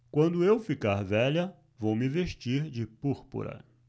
quando eu ficar velha vou me vestir de púrpura